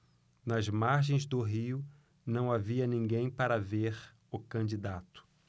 nas margens do rio não havia ninguém para ver o candidato